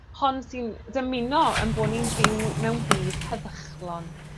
hon sy'n dymuno 'yn bo' ni'n byw mewn byd heddychlon.